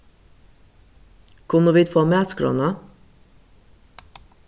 kunnu vit fáa matskránna